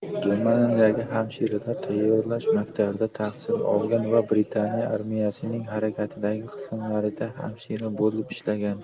germaniyadagi hamshiralar tayyorlash maktabida tahsil olgan va britaniya armiyasining harakatdagi qismlarida hamshira bo'lib ishlagan